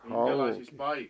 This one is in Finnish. hauki